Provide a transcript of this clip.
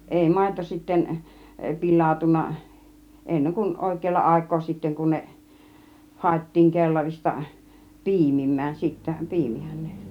ei maito sitten pilaantunut ennen kuin oikealla aikaa sitten kun ne haettiin kellarista piimimään sitten piimihän ne